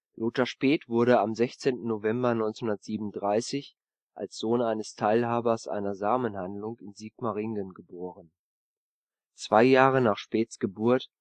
Lothar Späth wurde am 16. November 1937 als Sohn eines Teilhabers einer Samenhandlung in Sigmaringen geboren. Zwei Jahre nach Späths Geburt